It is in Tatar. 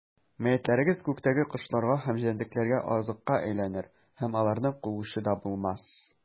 Мәетләрегез күктәге кошларга һәм җәнлекләргә азыкка әйләнер, һәм аларны куучы да булмас.